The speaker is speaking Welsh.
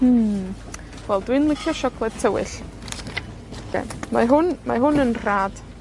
Hmm, wel dw i'n licio siocled tywyll. Iawn. Mae hwn. Mae hwn yn rhad